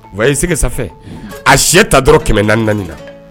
Wa i sigi sanfɛ a si ta dɔrɔn kɛmɛ naani naani na